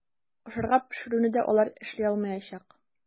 Ашарга пешерүне дә алар эшли алмаячак.